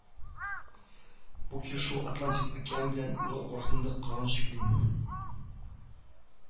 Бу килешү Атлантик океан белән Урал арасында коралны чикли